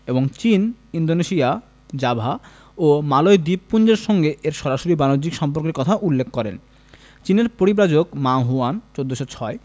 এবং চীন Indonesia Java ও মালয় দ্বীপপুঞ্জের সঙ্গে এর সরাসরি বাণিজ্যিক সম্পর্কের কথা উল্লেখ করেন চীনের পরিব্রাজক মা হুয়ান ১৪০৬